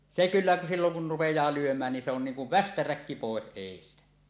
se kyllä silloin kun rupeaa lyömään niin se on niin kuin västäräkki pois edestä